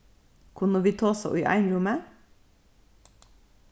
kunnu vit tosa í einrúmi